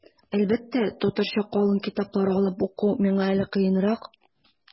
Әлбәттә, татарча калын китаплар алып уку миңа әле кыенрак.